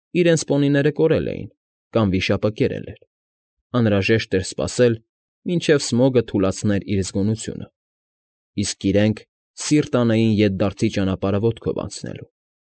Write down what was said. Իրենց պոնիներնը կորել էին կամ վիշապը կերել էր, անհրաժեշտ էր սպասել, մինչև Սմոգը թուլացներ իր զգոնությունը, իսկ իրենք սիրտ անեին ետդարձի ճանապարհը ոտքով անցնելու։